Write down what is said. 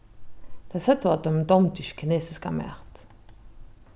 tey søgdu at teimum dámdu ikki kinesiskan mat